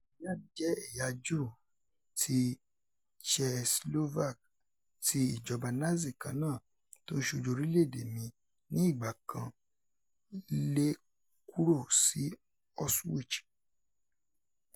Ìyá mi jẹ́ ẹ̀yà Jew ti Czechoslovak tí ìjọba Nazi kannáà t’ó ń ṣojú orílẹ̀ èdè mi ní ìgbà kan lé kúrò sí Auschwitz.